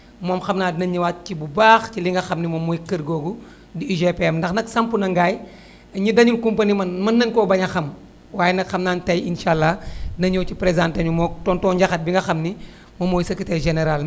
moom xam naa dina ñëwaat ci bu baax ci li nga xam ne moom mooy kër googu di UGPM ndax nag samp na Ngaye ñi deñul kumpa ni man mën nañu koo bañ a xam waaye nag xam naa ni tey incha allah na ñëw ci présenté ñu moog tonton Ndiakhate bi nga xam ni moom mooy secretaire général